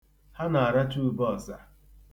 Ha na-aracha ubeọsa.